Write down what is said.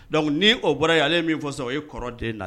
Dɔnkuc ni o bɔra yan ale ye min fɔ sɔrɔ o ye kɔrɔ den la